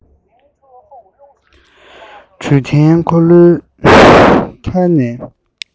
འདྲུད འཐེན འཁོར ལོའི ཐ ཐ ཡི སྒྲ